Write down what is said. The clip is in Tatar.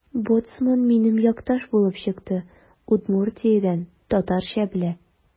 Боцман минем якташ булып чыкты: Удмуртиядән – татарча белә.